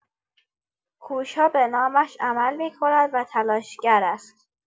کوشا به نامش عمل می‌کند و تلاشگر است.